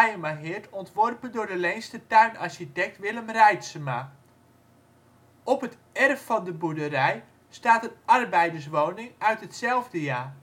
Hayemaheerd ontworpen door de Leenster tuinarchitect Willem Reitsema. Op het erf van de boerderij staat een arbeiderswoning uit hetzelfde jaar